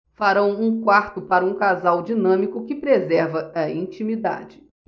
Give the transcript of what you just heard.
farão um quarto para um casal dinâmico que preserva a intimidade